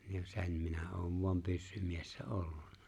niin jo sen minä olen vain pyssymies ollut